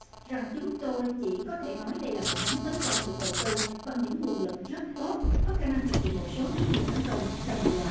rằng chúng tôi chỉ có thể nói đây là một nhóm tấn công được đầu tư bằng những nguồn lực rất tốt có khả năng thực hiện một số chiến dịch tấn công đồng loạt